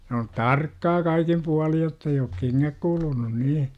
se on tarkkaa kaikin puolin jotta ei ole kengät kuluneet niin